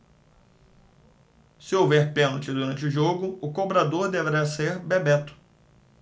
se houver pênalti durante o jogo o cobrador deverá ser bebeto